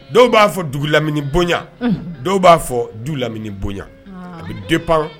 Dɔw ba fɔ dugu lamini bonyan dɔw ba fɔ du lamini bonyan a bi dépend